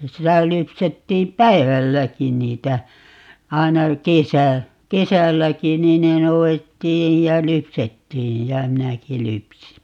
sitä lypsettiin päivälläkin niitä aina kesä kesälläkin niin ne noudettiin ja lypsettiin ja minäkin lypsin